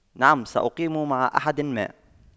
نعم سأقيم مع أحد ما